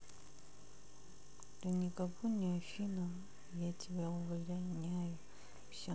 ты никого не афина я тебя увольняю все